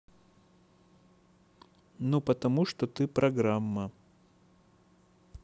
ну потому что ты программа